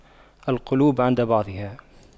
القلوب عند بعضها